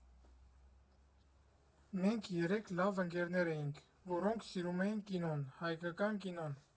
Մենք երեք լավ ընկերներ էինք, որոնք սիրում էին կինոն, հայկական կինոն։